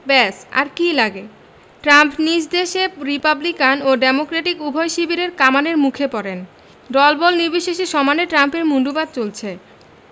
ব্যস আর কী লাগে ট্রাম্প নিজ দেশে রিপাবলিকান ও ডেমোক্রেটিক উভয় শিবিরের কামানের মুখে পড়েন দলবল নির্বিশেষে সমানে ট্রাম্পের মুণ্ডুপাত চলছে